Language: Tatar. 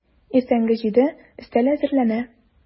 Иртәнге җиде, өстәл әзерләнә.